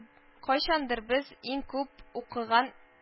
Кайчандыр без иң күп укыган